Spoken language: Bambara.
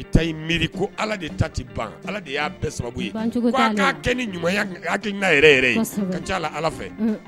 Ta i miiri ko Ala de ta tɛ ban, Ala de y'an bɛɛ sababu ye, ban cogo t'a la, f'an ka kɛ ni ɲuman ya, hakili na yɛrɛ yɛrɛ, a ka ca Ala fɛ